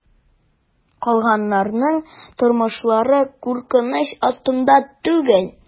Калганнарның тормышлары куркыныч астында түгел.